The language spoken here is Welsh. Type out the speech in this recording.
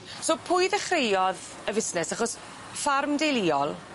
So pwy ddechreuodd y fusnes achos ffarm deuliol?